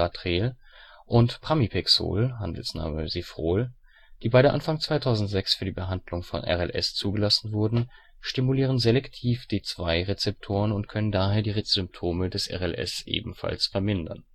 ®) und Pramipexol (Sifrol ®), die beide Anfang 2006 für die Behandlung von RLS zugelassen wurden, stimulieren selektiv D2-Rezeptoren und können daher die Symptome des RLS ebenfalls vermindern